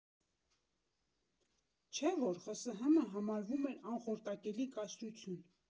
Չէ՞ որ ԽՍՀՄ֊ը համարվում էր անխորտակելի կայսրություն։